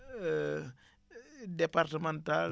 départemental